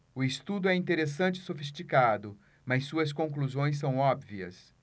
o estudo é interessante e sofisticado mas suas conclusões são óbvias